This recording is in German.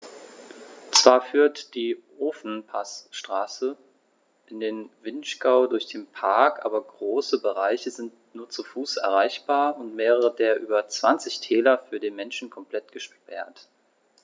Zwar führt die Ofenpassstraße in den Vinschgau durch den Park, aber große Bereiche sind nur zu Fuß erreichbar und mehrere der über 20 Täler für den Menschen komplett gesperrt.